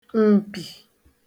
m̀pì